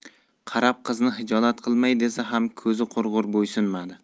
qarab qizni hijolat qilmay desa ham ko'zi qurg'ur bo'ysunmadi